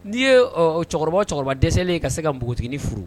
N'i ye cɛkɔrɔba cɛkɔrɔba dɛsɛlen ka se ka npogotigi furu